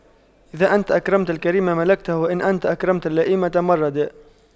إذا أنت أكرمت الكريم ملكته وإن أنت أكرمت اللئيم تمردا